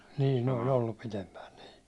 niin ne oli ollut pidempään niin